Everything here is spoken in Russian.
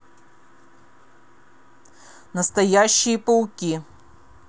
настоящие пауки